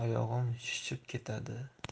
oyog'im shishib ketadi